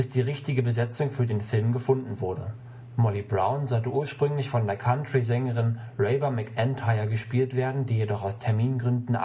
die richtige Besetzung für den Film gefunden wurde. Molly Brown sollte ursprünglich von der Country-Sängerin Reba McEntire gespielt werden, die jedoch aus Termingründen